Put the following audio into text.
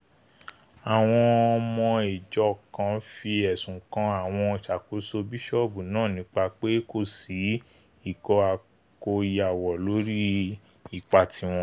Àwọn ọmọ ìjọ kan fi ẹ̀sùn kàn àwọn ìṣàkóso bisọọbu náa nípa pe kòsí ìkó-àkóyawọ lórí ipa tiwon